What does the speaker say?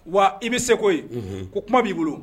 Wa i bɛ seko ye ko kuma b'i bolo